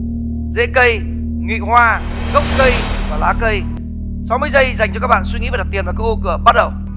rễ cây nhụy hoa gốc cây và lá cây sáu mươi giây dành cho các bạn suy nghĩ và đặt tiền vào các ô cửa bắt đầu